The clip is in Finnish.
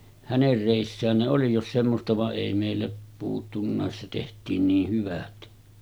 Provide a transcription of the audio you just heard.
hänen reissään ne oli jos semmoista vaan ei meillä puuttunutkaan se tehtiin niin hyvät